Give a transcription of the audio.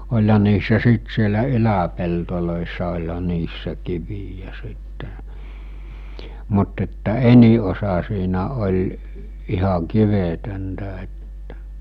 olihan niissä siitä siellä yläpelloissa olihan niissä kiviä sitten mutta että enin osa siinä oli ihan kivetöntä että